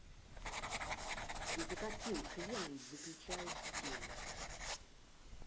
ты за каким хреном выключаешь телек